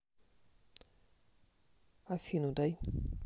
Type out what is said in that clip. афину дай